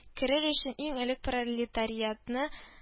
Керер өчен иң элек пролетариатны